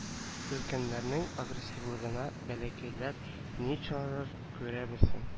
Өлкәннәрнең агрессивлыгына бәләкәйләр ни чаралар күрә белсен